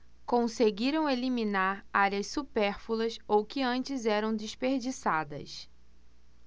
conseguiram eliminar áreas supérfluas ou que antes eram desperdiçadas